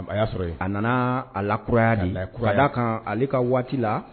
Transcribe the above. A y'a sɔrɔ yen. A nana a la kuraya de ka d'a kan ale ka waati la